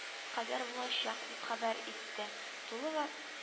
Кадәр булачак, дип хәбәр итте тулы вә